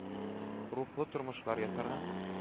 Рухлы тормышлар ясарга